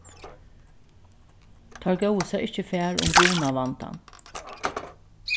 teir góvu sær ikki far um brunavandan